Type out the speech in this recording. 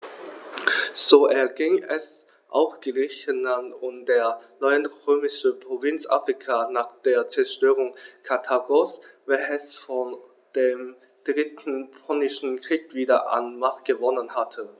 So erging es auch Griechenland und der neuen römischen Provinz Afrika nach der Zerstörung Karthagos, welches vor dem Dritten Punischen Krieg wieder an Macht gewonnen hatte.